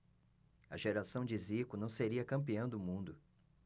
a geração de zico não seria campeã do mundo